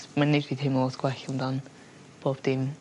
ma'n neis i teimlo lot gwell amdan pob dim.